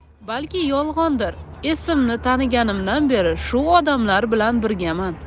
balki yolg'ondir esimni taniganimdan beri shu odamlar bilan birgaman